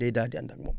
day daal di ànd ak moom